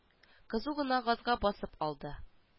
Кызу гына газга басып алды